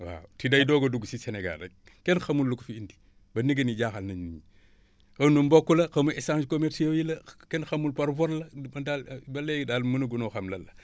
waaw te day doog a dugg si Sénégal kenn xamul lu ko fi indi ba négé ni jaaxal na nit ñi xaw ma mboq la xaw ma échange commerciaux yi la xa kenn xamul par vol la man daal ba léegi daal mënaguñoo xam lan la